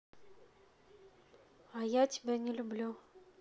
а я тебя не люблю